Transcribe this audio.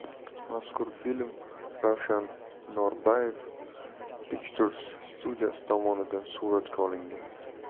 mazkur film ravshan norbayev pictures studiyasi tomonidan suratga olinmoqda